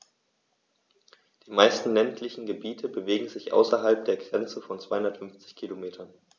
Die meisten ländlichen Gebiete bewegen sich außerhalb der Grenze von 250 Kilometern.